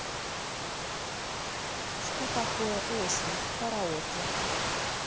что такое осень караоке